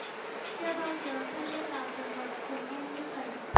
chưa bao giờ tôi rơi vào trường hợp khùng điên như vậy